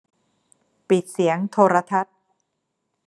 ปิดเสียงโทรทัศน์